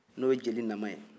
n'o ye jeli naman ye